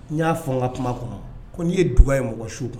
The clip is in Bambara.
N' y'a fɔ n ka kuma kɔnɔ ko n'i ye dug ye mɔgɔsiw don